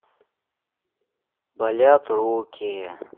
болят руки